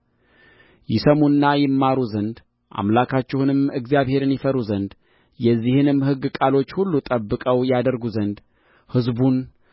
ይሰሙና ይማሩ ዘንድ አምላካችሁንም እግዚአብሔርን ይፈሩ ዘንድ የዚህንም ሕግ ቃሎች ሁሉ ጠብቀው ያደርጉ ዘንድ ሕዝቡን